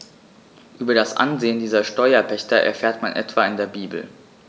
Über das Ansehen dieser Steuerpächter erfährt man etwa in der Bibel.